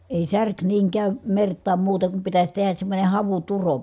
ei särki niin käy mertaan muuten kuin pitäisi tehdä semmoinen havuturo